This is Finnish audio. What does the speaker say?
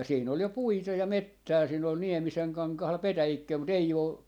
ja siinä oli ja puita ja metsää siinä oli Niemisen kankaalla petäjikköä mutta ei ole